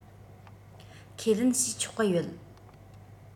ཁས ལེན བྱས ཆོག གི ཡོད